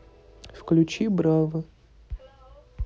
включи браво